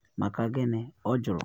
Maka gịnị? ọ jụrụ.